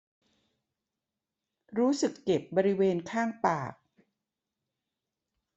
รู้สึกเจ็บบริเวณข้างปาก